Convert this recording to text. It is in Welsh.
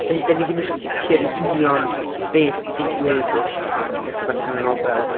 dan ni, dan ni ddim yn sicr yn union be sy' 'di digwydd, wrth, yym, ddechrau darllen y nofel...